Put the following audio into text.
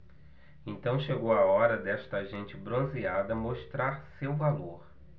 então chegou a hora desta gente bronzeada mostrar seu valor